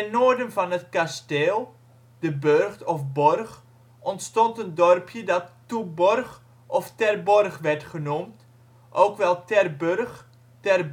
noorden van het kasteel (de " burcht " of " borch "), ontstond een dorpje dat Toe Borch of Terborg werd genoemd (ook wel: Ter Burg, Ter